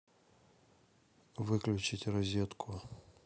выключить розетку